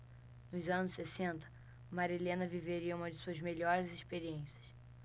nos anos sessenta marilena viveria uma de suas melhores experiências